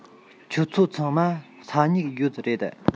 ཁྱོད ཚོ ཚང མར ས སྨྱུག ཡོད རེད